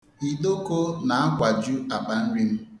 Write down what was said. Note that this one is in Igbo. Idoko na-akwaju akpa nri m.